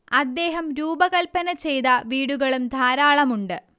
അദ്ദേഹം രൂപകല്പന ചെയ്ത വീടുകളും ധാരാളമുണ്ട്